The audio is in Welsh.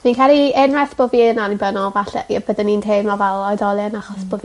Fi'n caru... Unwaith bo' fi yn annibynnol falle ie byddwn i'n teimlo fel oedolyn achos bo'